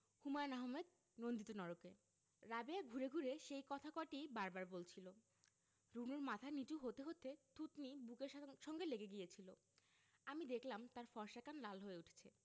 হুমায়ুন আহমেদ নন্দিত নরকে রাবেয়া ঘুরে ঘুরে সেই কথা কটিই বার বার বলছিলো রুনুর মাথা নীচু হতে হতে থুতনি বুকের সঙ্গ সঙ্গে লেগে গিয়েছিলো আমি দেখলাম তার ফর্সা কান লাল হয়ে উঠছে